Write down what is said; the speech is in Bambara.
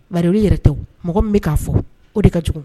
Bari olu yɛrɛ tɛ o mɔgɔ min bɛ k'a fɔ o de ka jugu